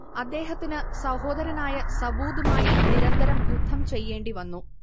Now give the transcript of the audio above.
അദ്ദേഹത്തിനു സഹോദരനായ സവൂദ് മായി നിരന്തരം യുദ്ധം ചെയ്യേണ്ടിവന്നു